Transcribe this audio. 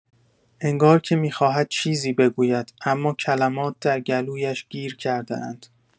انگار که می‌خواهد چیزی بگوید، اما کلمات در گلویش گیر کرده‌اند.